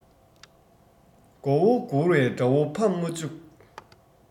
མགོ བོ བསྒུར བའི དགྲ བོ ཕམ མ བཅུག